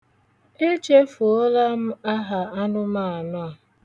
Echefuola m aha anụmanụ a.